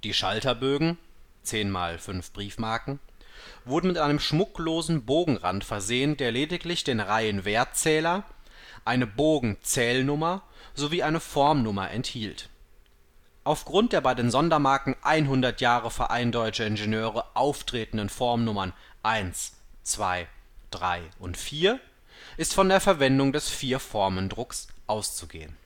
Schalterbögen (10x5 Briefmarken) wurden mit einem schmucklosen Bogenrand versehen, der lediglich den Reihenwertzähler, eine Bogenzählnummer sowie eine Formnummer enthielt. Aufgrund der bei den Sondermarken „ 100 Jahre Verein Deutscher Ingenieure (VDI) “auftretenden Formnummern 1, 2, 3 und 4 ist von der Verwendung des Vierformendrucks auszugehen